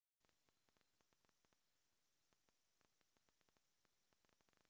биг пиг свитч